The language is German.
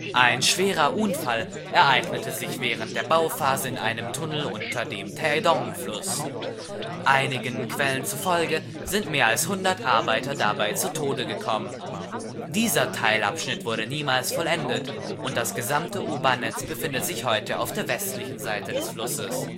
Ein schwerer Unfall ereignete sich während der Bauphase in einem Tunnel unter dem Taesong-Fluss. Einigen Quellen zufolge sind mehr als 100 Arbeiter dabei zu Tode gekommen. Dieser Teilabschnitt wurde niemals vollendet und das gesamte U-Bahn-Netz befindet sich heute auf der westlichen Seite des Flusses